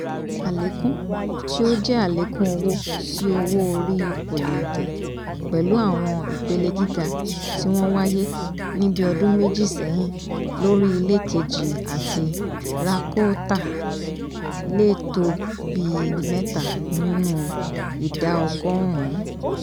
Àlékún - tí ó jẹ́ àlékún owó sí owó orí olóǹtẹ̀, pẹ̀lú àwọn ìpele gíga tí wọ́n wáyé ní bí ọdún méjì ṣẹ́hìn lórí ilé kejì àti rà-kóo- tà - lẹ̀ tó bíi mẹ́ta nínú ìdá ọgọ́rùn ún.